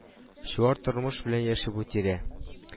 Чуар тормыш белән яши бу тирә